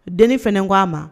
Den fana ko' a ma